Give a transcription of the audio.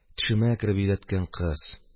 – төшемә кереп йөдәткән кыз.